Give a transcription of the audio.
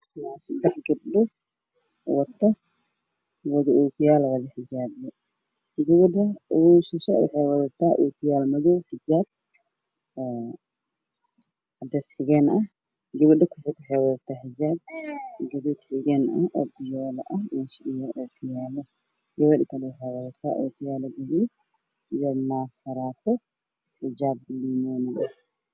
Waa seddax gabdhood oo wataan oo ciyaalo Gabdha ugu horeyso waxey wadataa oo kiyaala madow ah